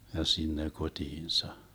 ja sinne kotiinsa